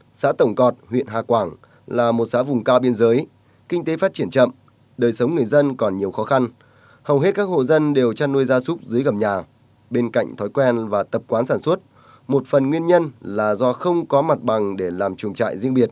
xã tổng cọt huyện hà quảng là một xã vùng cao biên giới kinh tế phát triển chậm đời sống người dân còn nhiều khó khăn hầu hết các hộ dân đều chăn nuôi gia súc dưới gầm nhà bên cạnh thói quen và tập quán sản xuất một phần nguyên nhân là do không có mặt bằng để làm chuồng trại riêng biệt